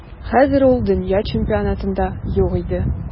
Хәзер ул дөнья чемпионатында юк иде.